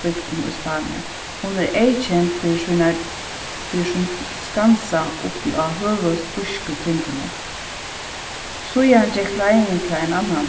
bygdunum í spania hon er eyðkend fyri sínar fyri sín skansa uppi á høgu spísku tindunum síðan gekk leiðin til ein annan